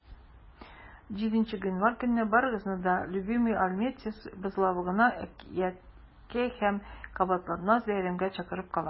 7 гыйнвар көнне барыгызны да "любимыйальметьевск" бозлавыгына әкияти һәм кабатланмас бәйрәмгә чакырып калабыз!